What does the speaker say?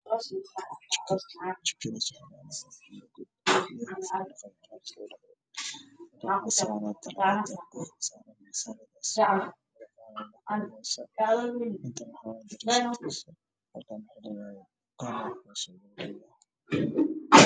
Waa qol wuxuu leyahay labo daaqadod